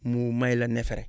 mu may la neefere